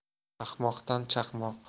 ahmoqdan chaqmoq